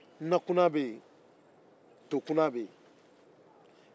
na kunan bɛ yen to kunan bɛ yen